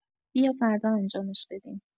بیا فردا انجامش بدیم.